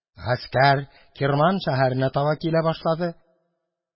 Гаскәр Кирман шәһәренә таба килә башлады.